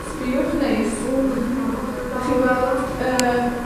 Sbïwch neis. 'Dych chi'n gweld y